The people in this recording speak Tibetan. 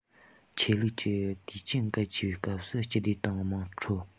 ཆོས ལུགས ཀྱི དུས ཆེན གལ ཆེ བའི སྐབས སུ སྤྱི བདེ དང དམངས ཁྲོད